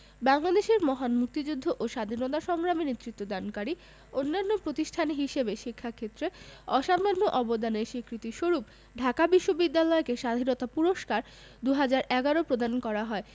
বাংলাদেশের মহান মুক্তিযুদ্ধ ও স্বাধীনতা সংগ্রামে নেতৃত্বদানকারী অনন্য প্রতিষ্ঠান হিসেবে শিক্ষা ক্ষেত্রে অসামান্য অবদানের স্বীকৃতিস্বরূপ ঢাকা বিশ্ববিদ্যালয়কে স্বাধীনতা পুরস্কার ২০১১ প্রদান করা হয়